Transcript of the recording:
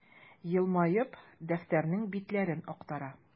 Елмаеп, дәфтәрнең битләрен актара.